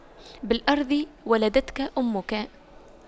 بالأرض ولدتك أمك